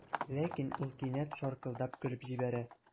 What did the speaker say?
Ләкин ул кинәт шаркылдап көлеп җибәрә.